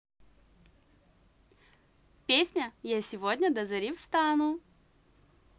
песня я сегодня до зари встану